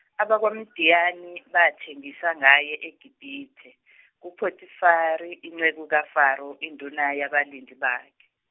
abakwaMidiyani bathengisa ngaye eGibithe kuPotifari, inceku kaFaro, induna yabalindi bakhe.